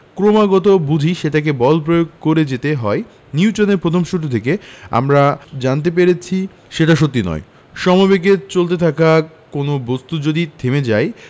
ক্রমাগত বুঝি সেটাতে বল প্রয়োগ করে যেতে হয় নিউটনের প্রথম সূত্র থেকে আমরা জানতে পেরেছি সেটা সত্যি নয় সমবেগে চলতে থাকা কোনো বস্তু যদি থেমে যায়